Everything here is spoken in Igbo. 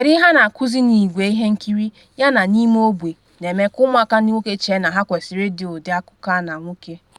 Kedu ihe a na-akuzi n’igwe ihe nkiri, yana n’ime ogbe na-eme ka ụmụaka ndị nwoke chee na ha kwesịrị ịdị ụdị akụkụ a na nwoke?